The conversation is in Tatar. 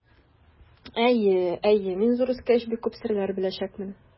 Әйе, әйе, мин, зур үскәч, бик күп серләр беләчәкмен.